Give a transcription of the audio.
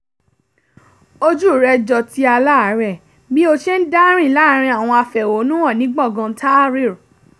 Ojú rẹ̀ jọ ti aláàárẹ̀, bí ó ṣe ń dá rìn láàárín àwọn afẹ̀hónúhàn ní gbọ̀ngàn Tahrir.